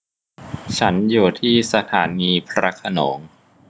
ฉันอยู่ที่สถานีพระโขนง